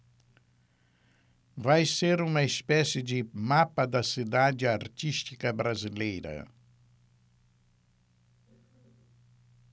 vai ser uma espécie de mapa da cidade artística brasileira